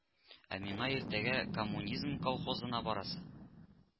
Ә миңа иртәгә коммунизм колхозына барасы